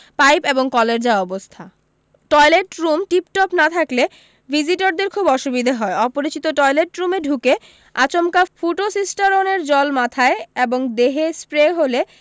pipe এবং কলের যা অবস্থা টয়লেট রুম টিপটপ না থাকলে ভিজিটরদের খুব অসুবিধে হয় অপরিচিত টয়লেট রুমে ঢুকে আচমকা ফুটো সিষ্টারনের জল মাথায় এবং দেহে স্প্রে হলে